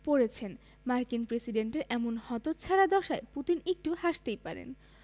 পড়েছেন মার্কিন প্রেসিডেন্টের এমন হতচ্ছাড়া দশায় পুতিন একটু হাসতেই পারেন